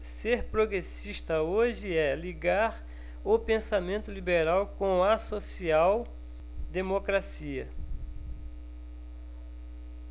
ser progressista hoje é ligar o pensamento liberal com a social democracia